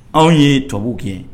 Anw ye tubabu kɛ